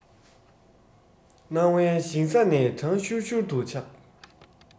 སྣང བའི ཞིང ས ནས གྲང ཤུར ཤུར དུ ཆག